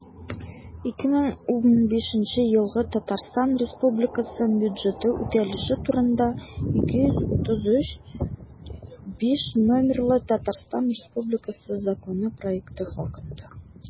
«2015 елгы татарстан республикасы бюджеты үтәлеше турында» 233-5 номерлы татарстан республикасы законы проекты хакында